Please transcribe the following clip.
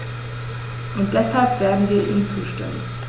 Und deshalb werden wir ihm zustimmen.